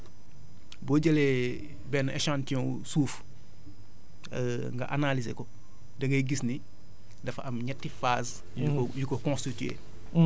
xam nga boo jëlee benn échantillon wu suuf nga analysé ko da ngay gis ni dafa am ñetti phases